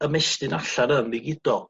ymestyn allan yn ddigidol?